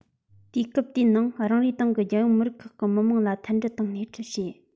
དུས སྐབས དེའི ནང རང རེའི ཏང གིས རྒྱལ ཡོངས མི རིགས ཁག གི མི དམངས ལ མཐུན སྒྲིལ དང སྣེ ཁྲིད བྱས